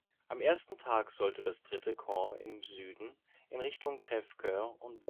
Am ersten Tag sollte das III. Corps im Süden in Richtung Crèvecoeur und Bonvais